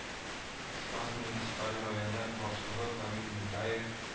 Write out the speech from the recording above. Спас муниципаль районы башлыгы Камил Нугаев